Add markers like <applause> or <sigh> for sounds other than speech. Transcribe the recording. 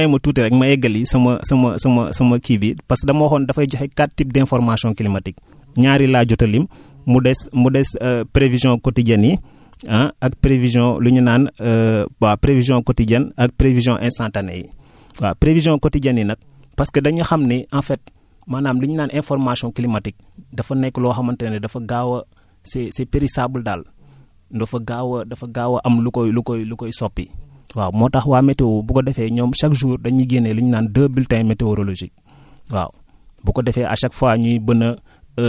concervation fertilisation mais nga may ma tuuti rekk ma eggali sama sama sama sama kii bi parce que dama waxoon dafay joxe quatre types d' informations climatique ñaar yi laa jot a lim <breath> mu des mu des <hesitation> prévision quotidiennes yi ah ak prévision lu ñu naan <hesitation> waa prévision quotidienne ak prévisions instantanées yi <breath> waaw prévision quotidienne yi nag parce que dañu xam ne en fait maanaam lu ñu naan informartion climatique dafa nekk loo xamante ne dafa gaaw a c' est c' est périsaable daal dafa gaaw a dafa gaaw a am lu koy lu koy lu koy soppi waaw moo tax waa météo bu ko defee ñoom chaque jour dañuy génne lu ñu naan deux bulletins météorologiques waaw